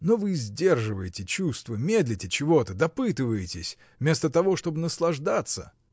— Но вы сдерживаете чувство, медлите, чего-то допытываетесь, вместо того, чтоб наслаждаться.